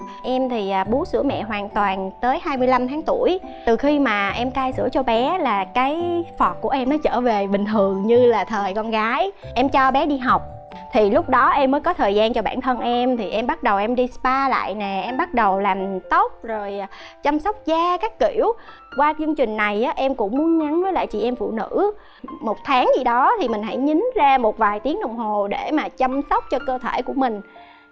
em thì bú sữa mẹ hoàn toàn tới hai mươi lăm tháng tuổi từ khi mà em cai sữa cho bé là cái vỏ của em mới trở về bình thường như là thời con gái em cho bé đi học thì lúc đó em mới có thời gian cho bản thân em thì em bắt đầu em đi spa lại nè em bắt đầu làm tóc rồi chăm sóc da các kiểu qua chương trình này em cũng muốn nhắn với lại chị em phụ nữ một tháng gì đó thì mình hãy nhín ra một vài tiếng đồng hồ để mà chăm sóc cho cơ thể của mình